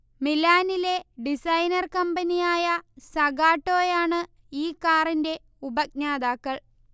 മിലാനിലെ designer കമ്പനിയായ സഗാട്ടോയാണ് ഈ കാറിന്റെ ഉപജ്ഞാതാക്കൾ